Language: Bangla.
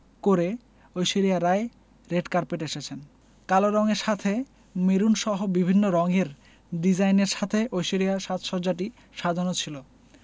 করে ঐশ্বরিয়া রাই রেড কার্পেটে এসেছেন কালো রঙের সাথে মেরুনসহ বিভিন্ন রঙের ডিজাইনের সাথে ঐশ্বরিয়ার সাজ সজ্জাটি সাজানো ছিল